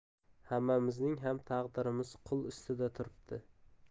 hammamizning ham taqdirimiz qil ustida turibdi